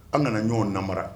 An kana ɲɔgɔn namara